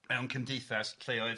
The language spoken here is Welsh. mewn cymdeithas lleoedd